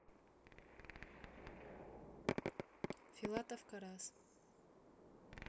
filatov karas